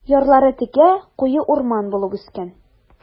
Ярлары текә, куе урман булып үскән.